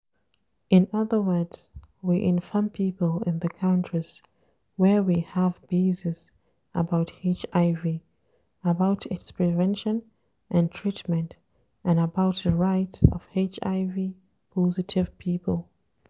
In other words we inform people in the countries where we haves bases about HIV, about its prevention and treatment and about the rights of HIV-positive people.